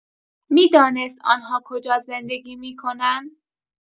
می‌دانست آن‌ها کجا زندگی می‌کنند.